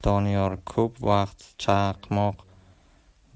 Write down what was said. doniyor ko'p vaqt chaqmoq